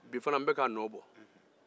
n beka a nɔ bɔ bi fana